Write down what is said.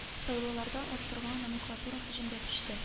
Сайлауларда оттырган номенклатура һөҗүмгә күчте